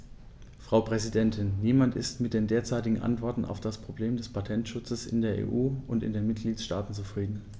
Frau Präsidentin, niemand ist mit den derzeitigen Antworten auf das Problem des Patentschutzes in der EU und in den Mitgliedstaaten zufrieden.